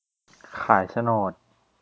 ขายโฉนด